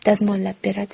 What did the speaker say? dazmollab beradi